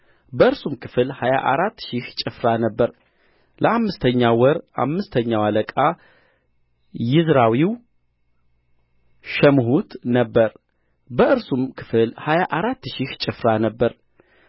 በእርሱም ክፍል ሀያ አራት ሺህ ጭፍራ ነበር ለአምስተኛው ወር አምስተኛው አለቃ ይዝራዊው ሸምሁት ነበረ በእርሱም ክፍል ሀያ አራት ሺህ ጭፍራ ነበረ